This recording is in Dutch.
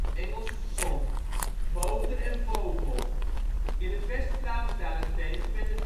Engels: son), boter en vogel. In het West-Vlaams daarentegen werd de